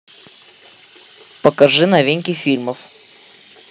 покажи новинки фильмов